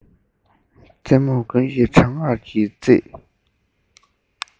རྩེ མོར དགུན གྱི གྲང ངར གྱིས གཙེས